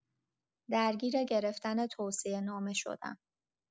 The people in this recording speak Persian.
درگیر گرفتن توصیه‌نامه شدم